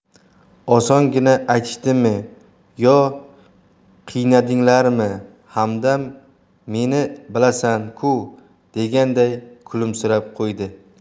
osongina aytishdimi yo qiynadinglarmi hamdam meni bilasan ku deganday kulimsirab qo'ydi